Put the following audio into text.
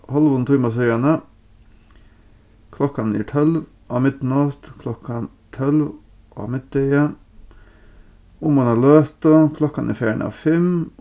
hálvum tíma síðani klokkan er tólv á midnátt klokkan tólv á middegi um eina løtu klokkan er farin av fimm